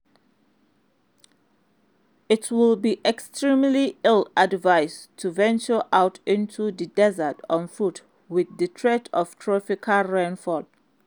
It would be extremely ill advised to venture out into the desert on foot with the threat of tropical rainfall.